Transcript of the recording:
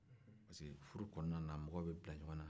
parce que furu kɔnɔna na mɔgɔw bɛ bila ɲɔgɔn na